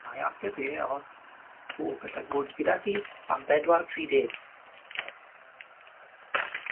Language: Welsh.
A'i ateb e oedd, o, gallai fod gyda chi am bedwar tri deg.